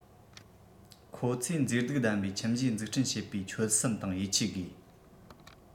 ཁོ ཚོས མཛེས སྡུག ལྡན པའི ཁྱིམ གཞིས འཛུགས སྐྲུན བྱེད པའི ཆོད སེམས དང ཡིད ཆེས དགོས